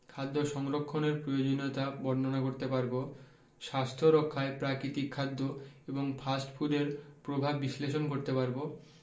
খাদ্য সংরক্ষণের প্রয়োজনীয়তা বর্ণনা করতে পারব স্বাস্থ্য রক্ষায় প্রাকৃতিক খাদ্য এবং ফাস্ট ফুডের প্রভাব বিশ্লেষণ করতে পারব